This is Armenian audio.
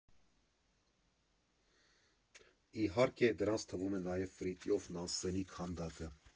Իհարկե, դրանց թվում է նաև Ֆրիտյոֆ Նանսենի քանդակը։